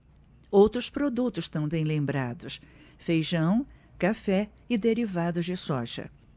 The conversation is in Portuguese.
outros produtos também lembrados feijão café e derivados de soja